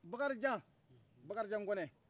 bakarijan bakarijan kɔnɛ